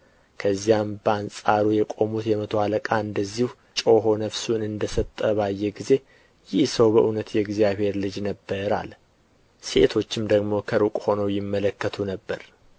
በዚያም በአንጻሩ የቆመ የመቶ አለቃ እንደዚህ ጮኾ ነፍሱን እንደ ሰጠ ባየ ጊዜ ይህ ሰው በእውነት የእግዚአብሔር ልጅ ነበረ አለ ሴቶችም ደግሞ በሩቅ ሆነው ይመለከቱ ነበር